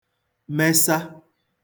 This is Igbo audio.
mesa